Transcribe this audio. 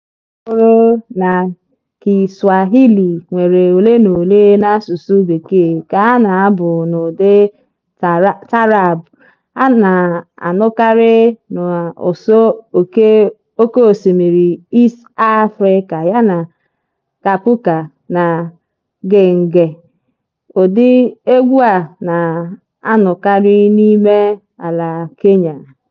Egwu ya nke kacha bụrụ na Kiswahili nwere ole na ole n'asụsụ Bekee ka a na-abụ n'ụdị Taarab a na-anụkarị n'ụsọ oké osimiri East Africa yana Kapuka na Genge, ụdị egwu a na-anụkarị n'ime ala Kenya.